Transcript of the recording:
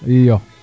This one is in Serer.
iyo